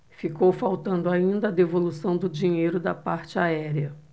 ficou faltando ainda a devolução do dinheiro da parte aérea